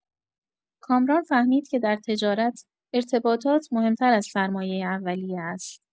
کامران فهمید که در تجارت، ارتباطات مهم‌تر از سرمایۀ اولیه است.